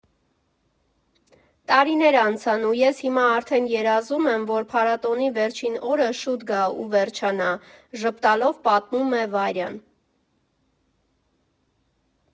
Տարիներ անցան, ու ես հիմա արդեն երազում եմ, որ փառատոնի վերջին օրը շուտ գա ու վերջանա», ֊ ժպտալով պատմում է Վարյան։